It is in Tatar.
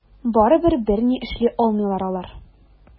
Барыбер берни эшли алмыйлар алар.